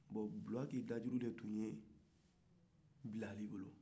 bulaki dajuru de tun bɛ bilali bolo